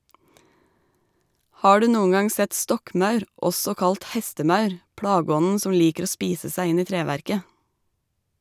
Har du noen gang sett stokkmaur, også kalt hestemaur , plageånden som liker å spise seg inn i treverket?